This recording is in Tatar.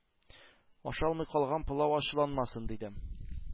Ашалмый калган пылау ачуланмасын, дидем.